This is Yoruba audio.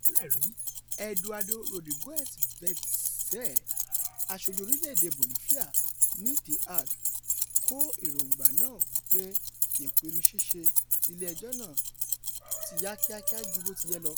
Ààrẹ tẹ́lẹ̀rí Eduardo Rodriguez Veltzé, aṣojú orílẹ̀-èdè Bolifia ní The Hague, kọ èròǹgbà náà wí pé ìpinnu-ṣíṣe ti ilé-ẹjọ́ náà tiyá kíakía ju bótiyẹ lọ.